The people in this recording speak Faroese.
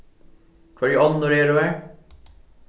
hvørji onnur eru har